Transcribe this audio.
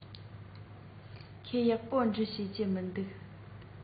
ཁོས ཡག པོ འབྲི ཤེས ཀྱི མིན འདུག